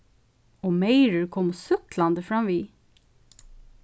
og meyrur komu súkklandi framvið